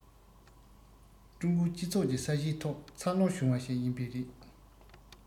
ཀྲུང གོའི སྤྱི ཚོགས ཀྱི ས གཞིའི ཐོག འཚར ལོངས བྱུང བ ཞིག ཡིན པས རེད